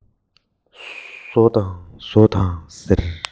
ཟོ དང ཟོ དང ཟེར